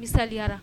Misaliyara